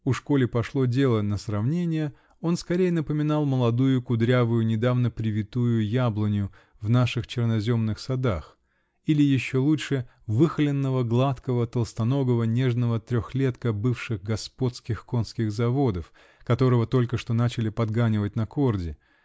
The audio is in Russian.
Уж коли пошло дело на сравнения, он скорее напоминал молодую, кудрявую, недавно привитую яблоню в наших черноземных садах -- или, еще лучше: выхоленного, гладкого, толстоногого, нежного трехлетка бывших -- "господских" конских заводов, которого только что начали подганивать на корде.